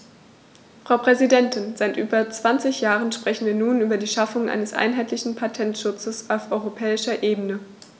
Frau Präsidentin, seit über 20 Jahren sprechen wir nun über die Schaffung eines einheitlichen Patentschutzes auf europäischer Ebene.